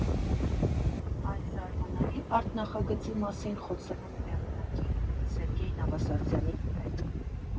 Այս զարմանալի արտ֊նախագծի մասին խոսել ենք հեղինակի՝ Սերգեյ Նավասարդյանի հետ։